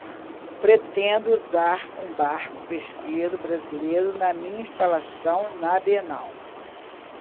pretendo usar um barco pesqueiro brasileiro na minha instalação na bienal